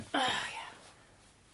Oh yeah.